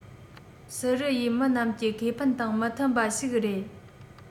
སི རི ཡའི མི རྣམས ཀྱི ཁེ ཕན དང མི མཐུན པ ཞིག རེད